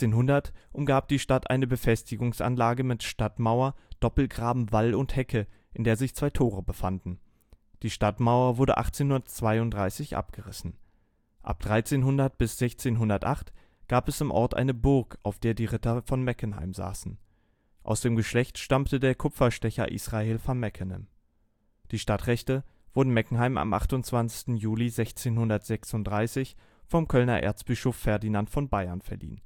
1300 umgab die Stadt eine Befestigungsanlage mit Stadtmauer, Doppelgraben, Wall und Hecke, in der sich zwei Tore befanden. Die Stadtdmauer wurde 1832 abgerissen. Ab 1300 bis 1608 gab es im Ort eine Burg, auf der die Ritter von Meckenheim saßen. Aus dem Geschlecht stammte der Kupferstecher Israhel van Meckenem. Die Stadtrechte wurden Meckenheim am 28. Juli 1636 vom Kölner Erzbischof Ferdinand von Bayern verliehen